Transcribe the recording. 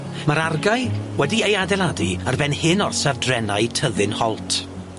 Ma'r argae wedi ei adeiladu ar ben hen orsaf drenau Tyddin Holt.